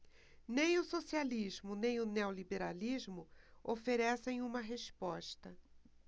nem o socialismo nem o neoliberalismo oferecem uma resposta